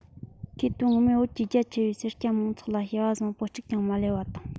ཁོས དོན ངོ མས བོད ཀྱི རྒྱ ཆེ བའི སེར སྐྱ མང ཚོགས ལ བྱ བ བཟང པོ གཅིག ཀྱང མ ལས བ དང